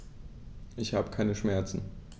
Ich habe keine Schmerzen.